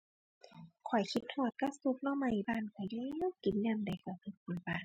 ข้อยคิดฮอดก็ซุบหน่อไม้บ้านข้อยแหล้ว กินยามใดก็ก็ฮอดบ้าน